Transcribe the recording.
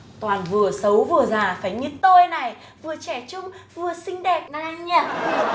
toàn vừa xấu vừa già phải như tôi này vừa trả trung vừa xinh đẹp na na nhờ